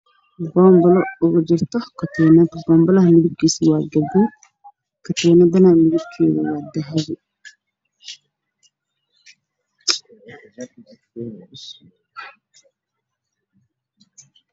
Halkaan waxaa ka muuqdo boombale gaduud oo qoorta oga jirto katiinad dahab ah